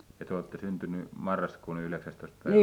ja te olette syntynyt marraskuun yhdeksästoista päivä